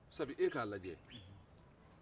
sabu e k'a lajɛ